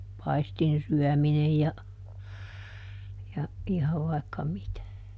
paistinsyöminen ja ja ihan vaikka mitä